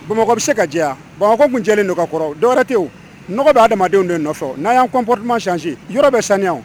Bamakɔ bɛ se ka jɛ bamakɔ tun cɛlen kɔrɔ dɔwɛrɛtiwu mɔgɔ bɛ adamadamadenw de nɔfɛ n'a y' kɔnpsisi yɔrɔ bɛ sa